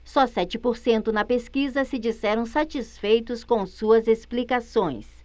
só sete por cento na pesquisa se disseram satisfeitos com suas explicações